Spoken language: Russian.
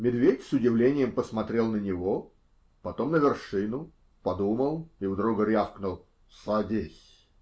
Медведь с удивлением посмотрел на него, потом на вершину, подумал и вдруг рявкнул: -- Садись!